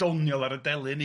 ...doniol ar y delyn... Ia